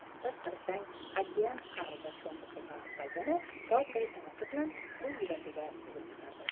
bir qarasang okean qa'riga sho'ng'ib ketar va yana tog'day tanasi bilan suv yuzasiga suzib chiqardi